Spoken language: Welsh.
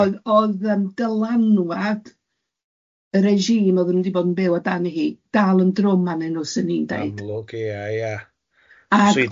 Ond odd yym dylanwad yr regime odda nhw di bod yn byw odani hi dal yn drwm arnyn nhw sw ni'n deud. Amlwg ia ia.